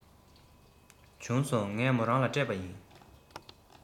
བྱུང སོང ངས མོ རང ལ སྤྲད པ ཡིན